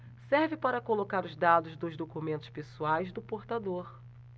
serve para colocar os dados dos documentos pessoais do portador